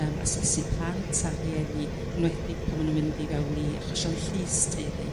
ym asesu plant a rhieni 'nwedig pan ma' nhw'n mynd i fewn i achosion llys teulu.